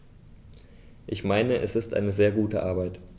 Ich meine, es ist eine sehr gute Arbeit.